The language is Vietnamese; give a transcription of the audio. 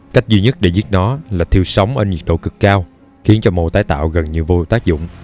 cách duy nhất để giết nó là thiêu sống ở nhiệt độ cực cao khiến cho mô tái tạo gần như vô tác dụng